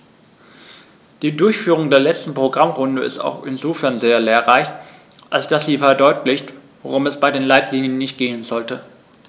Die Durchführung der letzten Programmrunde ist auch insofern sehr lehrreich, als dass sie verdeutlicht, worum es bei den Leitlinien nicht gehen sollte.